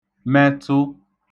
metụ